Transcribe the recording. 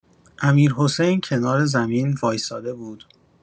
امیرحسین کنار زمین وایساده بود.